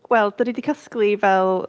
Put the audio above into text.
Wel, dan ni 'di casglu fel...